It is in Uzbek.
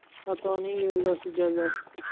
xatoning yo'ldoshi jazo